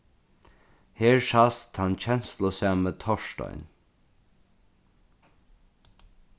her sæst tann kenslusami torstein